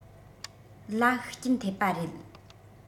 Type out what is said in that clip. ལ ཤུགས རྐྱེན ཐེབས པ རེད